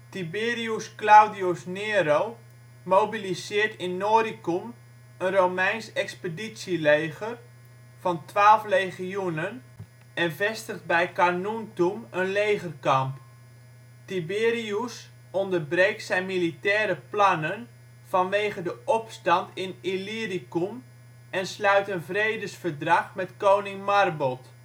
Tiberius Claudius Nero mobiliseert in Noricum een Romeins expeditieleger (12 legioenen) en vestigd bij Carnuntum een legerkamp. Tiberius onderbreekt zijn militaire plannen vanwege de opstand in Illyricum en sluit een vredesverdrag met koning Marbod